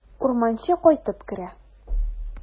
Урманчы кайтып керә.